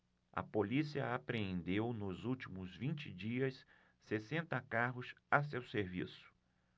a polícia apreendeu nos últimos vinte dias sessenta carros a seu serviço